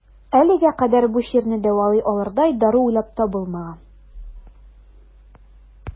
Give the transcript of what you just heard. Әлегә кадәр бу чирне дәвалый алырдай дару уйлап табылмаган.